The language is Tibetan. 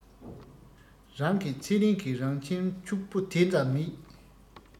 རང གི ཚེ རིང གི རང ཁྱིམ ཕྱུག པོ དེ ཙམ མེད